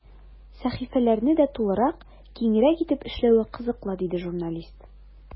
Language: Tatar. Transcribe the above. Сәхифәләрне дә тулырак, киңрәк итеп эшләве кызыклы, диде журналист.